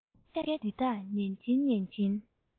སྐད ཆ འདི དག ཉན གྱིན ཉན གྱིན